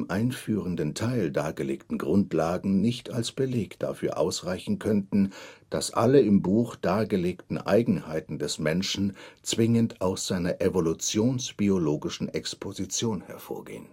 einführenden Teil dargelegten Grundlagen nicht als Beleg dafür ausreichen könnten, dass alle im Buch dargelegten Eigenheiten des Menschen zwingend aus seiner evolutionsbiologischen Exposition hervorgehen